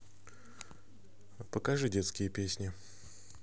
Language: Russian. покажи детские песни